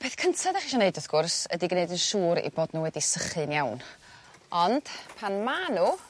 Peth cynta 'dach chi isio neud wrth gwrs ydi gneud yn siŵr eu bod n'w wedi sychu'n iawn ond pan ma' n'w